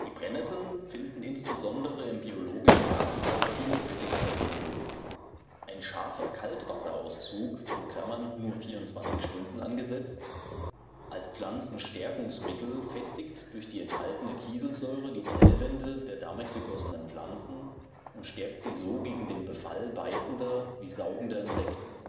Brennnesseln finden insbesondere im biologischen Gartenbau vielfältige Verwendung. Ein scharfer Kaltwasserauszug (nur 24 Stunden angesetzt) als Pflanzenstärkungsmittel festigt durch die enthaltene Kieselsäure die Zellwände der damit gegossenen Pflanzen und stärkt sie so gegen den Befall beißender wie saugender Insekten